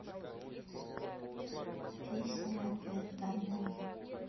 песня опять домой